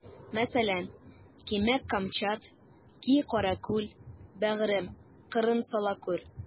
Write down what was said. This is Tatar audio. Мәсәлән: Кимә камчат, ки каракүл, бәгърем, кырын сала күр.